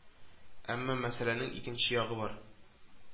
Әмма мәсьәләнең икенче ягы бар